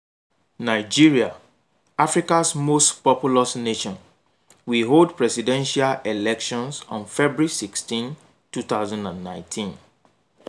Nigeria, Africa's most populous nation, will hold presidential elections on February 16, 2019.